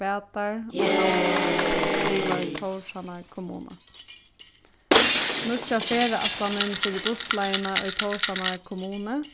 batar og annað skrivar tórshavnar kommuna nýggja ferðaætlanin fyri bussleiðina í tórshavnar kommunu